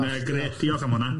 Mae'n grêt, diolch am hwnna.